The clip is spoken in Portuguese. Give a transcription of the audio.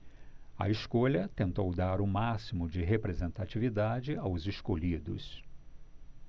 a escolha tentou dar o máximo de representatividade aos escolhidos